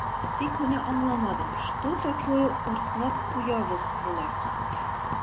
Тик менә аңламадым, что такое "уртлап куябыз" була?